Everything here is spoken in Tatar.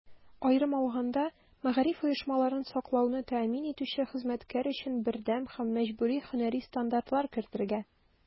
Аерым алганда, мәгариф оешмаларын саклауны тәэмин итүче хезмәткәр өчен бердәм һәм мәҗбүри һөнәри стандартлар кертергә.